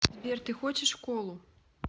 сбер ты хочешь колу